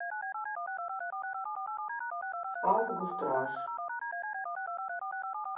август раш